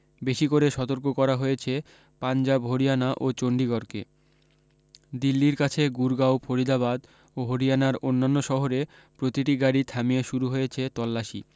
বেশী করে সতর্ক করা হয়েছে পাঞ্জাব হরিয়ানা ও চন্ডীগড়কে দিল্লীর কাছে গুড়গাঁও ফরিদাবাদ ও হরিয়ানার অন্যান্য শহরে প্রতিটি গাড়ী থামিয়ে শুরু হয়েছে তল্লাশি